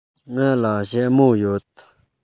ང ལ ཞྭ མོ ཡོད